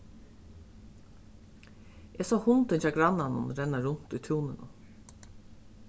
eg sá hundin hjá grannanum renna runt í túninum